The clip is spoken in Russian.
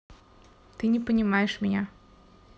ты не понимаешь меня